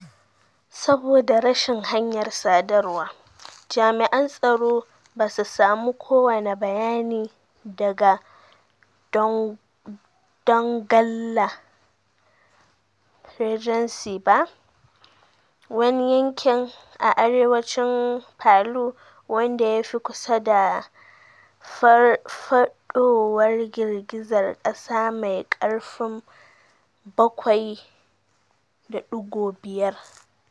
Saboda rashin hanyar sadarwa, jami'an tsaro ba su samu kowane bayani daga Donggala regency ba, wani yanki a arewacin Palu wanda ya fi kusa da farfadowar girgizar kasa mai karfin 7.5.